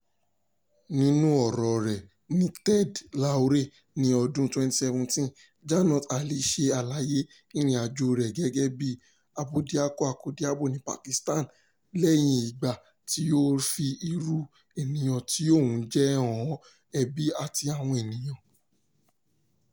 Nínú ọ̀rọ̀ọ rẹ̀ ní TEDxLahore ní ọdún 2017, Jannat Ali ṣe àlàyé ìrìnàjòo rẹ̀ gẹ́gẹ́ bí abódiakọ-akọ́diabo ní Pakistan lẹ́yìn ìgbà tí ó fi irú ènìyàn tí òun ń jẹ́ han ẹbí àti àwọn ènìyàn.